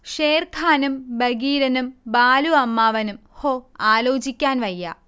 ഷേർഖാനും ബഗീരനും ബാലു അമ്മാവനും ഹോ ആലോചിക്കാൻ വയ്യ